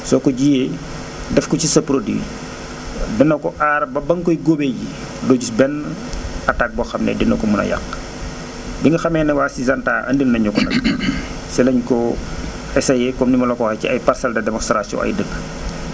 soo ko jiwee def ko ci sa produit dina ko aar ba ba nga koy góobee ji doo gis benn attaque boo xam ne dina ko mën a yàq bi nga xamee ne waa Syngenta àndil nañ ñu ko nag si lañ ko essayé comme ni ma la ko waxee ci ay parcelles de démonstration ay dëkk